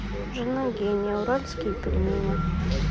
жена гения уральские пельмени